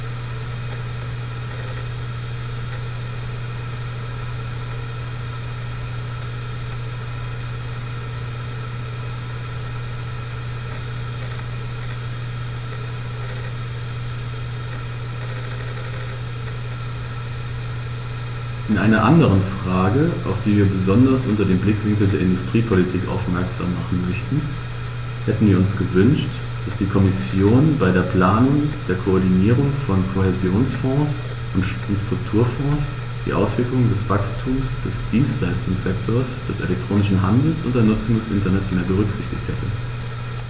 In einer anderen Frage, auf die wir besonders unter dem Blickwinkel der Industriepolitik aufmerksam machen möchten, hätten wir uns gewünscht, dass die Kommission bei der Planung der Koordinierung von Kohäsionsfonds und Strukturfonds die Auswirkungen des Wachstums des Dienstleistungssektors, des elektronischen Handels und der Nutzung des Internets mehr berücksichtigt hätte.